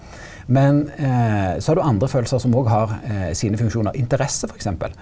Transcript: men så har du andre følelsar som òg har sine funksjonar interesse for eksempel.